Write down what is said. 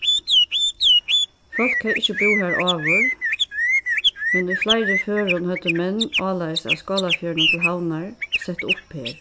fólk hevði ikki búð har áður men í fleiri førum høvdu menn áleiðis av skálafjørðinum til havnar sett upp her